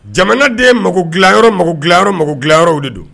Jamana de ye mago dilanyɔrɔ dilan magodiyɔrɔ de don